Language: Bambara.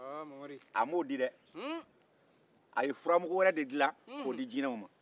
a ye furamugu wɛrɛ de dila k'o di jinɛw ma